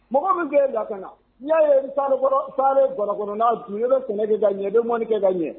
Mɔgɔ min tun la n y'a ye bala kɔnɔ'a tun sɛnɛ ka ɲɛden mɔnikɛ ka ɲɛ